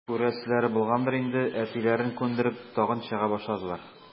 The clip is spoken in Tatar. Күрәселәре булгандыр инде, әтиләрен күндереп, тагын чыга башладылар.